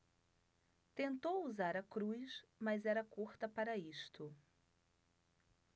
tentou usar a cruz mas era curta para isto